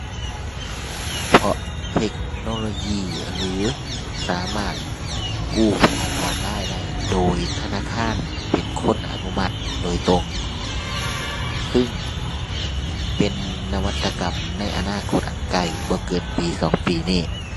เพราะเทคโนโลยี หรือสามารถกู้ผ่านออนไลน์ได้ โดยธนาคารเป็นคนอนุมัติโดยตรง ซึ่งเป็นนวัตกรรมในอนาคตอันใกล้ บ่เกินปีสองปีนี้